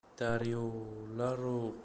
daryolaru qushlar xudoga nola